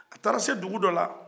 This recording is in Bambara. a taara se dugu dɔ la